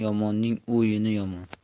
yomonning o'yini yomon